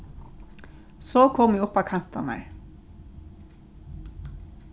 so kom eg upp á kantarnar